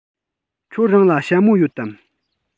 ཁྱོད རང ལ ཞྭ མོ ཡོད དམ